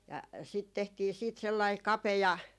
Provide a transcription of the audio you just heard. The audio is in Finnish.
sitä tehtiin siitä sellainen kapea